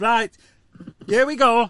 Right, here we go.